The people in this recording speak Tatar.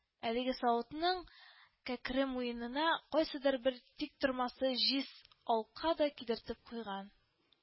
Әлеге савытның кәкре муенына кайсыдыр бер тиктормасы җиз алка да кидертеп куйган